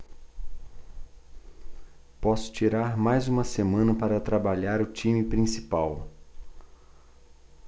posso tirar mais uma semana para trabalhar o time principal